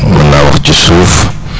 mën naa wax ci suuf